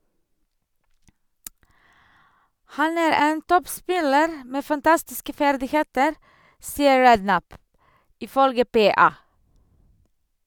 Han er en toppspiller med fantastiske ferdigheter, sier Redknapp, ifølge PA.